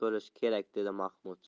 bo'lish kerak dedi mahmud